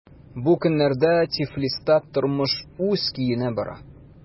Бу көннәрдә Тифлиста тормыш үз көенә бара.